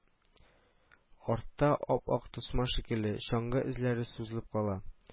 Артта, ап-ак тасма шикелле, чаңгы эзләре сузылып кала